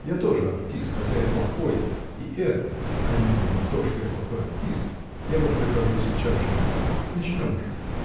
Я тоже артист, хотя плохой, и это, а именно то, что я плохой артист, -- я вам докажу сейчас же на деле. Начнем же.